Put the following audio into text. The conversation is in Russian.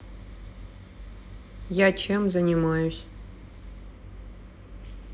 я чем занимаюсь